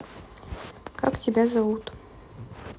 как тебя завут